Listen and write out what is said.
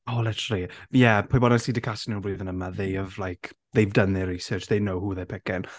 Oh literally ie pwy bynnag sy 'di castio nhw flwyddyn yma they have like they've done their research. They know who they're picking.